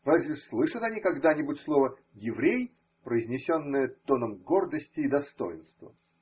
Разве слышат они когда-нибудь слово еврей, произнесенное тоном гордости и достоинства?